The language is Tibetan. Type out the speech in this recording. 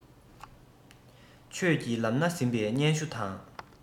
ཆོས ཀྱི ལམ སྣ ཟིན པའི སྙན ཞུ དང